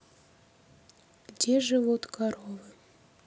где живут коровы